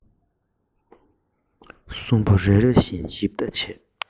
གསུམ པོ རེ རེ བཞིན ཞིབ ལྟ བྱས